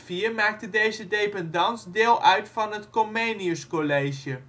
2004 maakte deze dependance deel uit van het Comeniuscollege